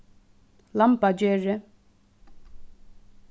lambagerði